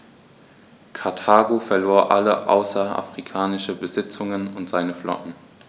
Karthago verlor alle außerafrikanischen Besitzungen und seine Flotte.